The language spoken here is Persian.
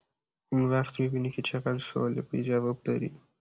اون‌وقت می‌بینی که چقدر سوال بی‌جواب داری.